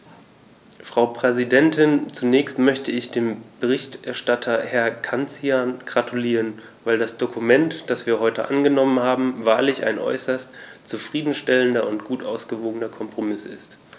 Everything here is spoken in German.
Frau Präsidentin, zunächst möchte ich dem Berichterstatter Herrn Cancian gratulieren, weil das Dokument, das wir heute angenommen haben, wahrlich ein äußerst zufrieden stellender und gut ausgewogener Kompromiss ist.